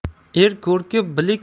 er ko'rki bilik